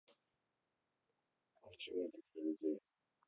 включить мультики для детей